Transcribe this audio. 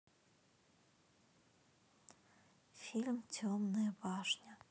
фильм темная башня